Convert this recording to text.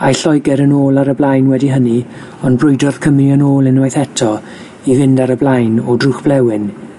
Ai Lloegr yn ôl ar y blaen wedi hynny, ond brwydrodd Cymru yn ôl unwaith eto i fynd ar y blaen o drwch flewyn